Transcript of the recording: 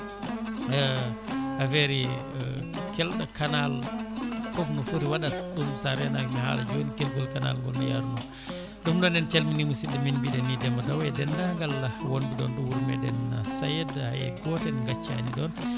affaire kelɗo canal foof no footi waɗata sa renaki mi haala joni kelgol canal ngol no yaaruno ɗum noon en calmini musidɗo men no mbiɗen ni Demba Guaw e dendagal wonɓe ɗon ɗo wuuro meɗen Saede hay goto en gaccani ɗon